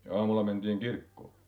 ja aamulla mentiin kirkkoon